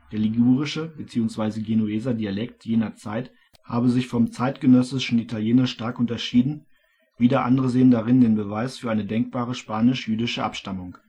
ligurische bzw. Genueser Dialekt jener Zeit habe sich vom zeitgenössischen Italienisch stark unterschieden, wieder Andere sehen darin den Beweis für eine denkbare spanisch-jüdische Abstammung